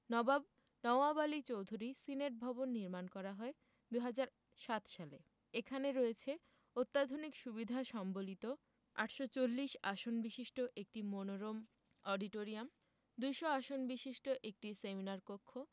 নবাব নওয়াব আলী চৌধুরী সিনেটভবন নির্মাণ করা হয় ২০০৭ সালে এখানে রয়েছে অত্যাধুনিক সুবিধা সম্বলিত ৮৪০ আসন বিশিষ্ট একটি মনোরম অডিটোরিয়াম ২০০ আসন বিশিষ্ট একটি সেমিনার কক্ষ